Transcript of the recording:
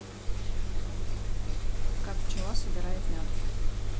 как пчела собирает мед